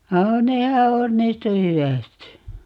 nehän onnistui hyvästi